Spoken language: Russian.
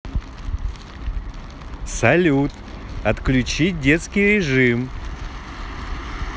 салют отключить детский режим